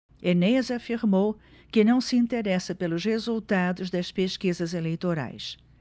enéas afirmou que não se interessa pelos resultados das pesquisas eleitorais